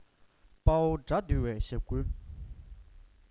དཔའ བོ དགྲ འདུལ བའི ཞབས བསྐུལ